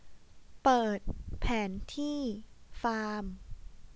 เปิดแผนที่ฟาร์ม